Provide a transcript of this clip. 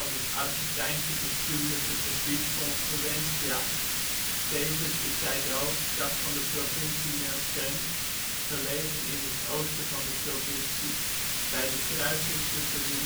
het Argentijnse bestuurlijke gebied Confluencia. Tevens is zij de hoofdstad van de provincie Neuquén, gelegen in het oosten van de provincie, bij de kruising tussen